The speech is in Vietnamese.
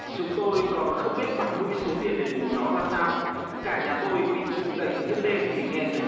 chúng tôi còn không biết mặt mũi số tiền đền bù nó ra sao cả nhà tôi bị dựng dậy giữa đêm vì nghe thấy